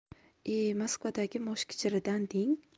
e moskvadagi moshkichiridan deng